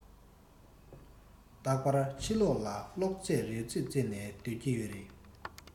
རྟག པར ཕྱི ལོག ལ གློག ཀླད རོལ རྩེད རྩེད ནས སྡོད ཀྱི ཡོད རེད